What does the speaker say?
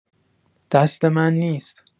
دست من نیست.